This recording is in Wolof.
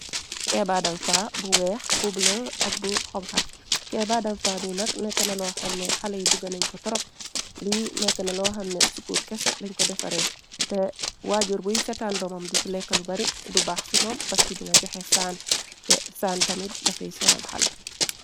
Keebaadamfa bu weex ,poopul ak bu xoñxa. Kebaadamfa bi nak, nekk na loo xam ne xalé yi buga nañ ko torop. Lii nekkë na loo xam ne sukur kese lañ ko defare, te waajur buy setaan domam di ko lekka, lu bari du baax simoom, paski dina joxé saan tamit ,dafay sonal xale.